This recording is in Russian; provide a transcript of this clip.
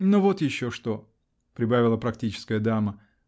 Но вот еще что, -- прибавила практическая дама .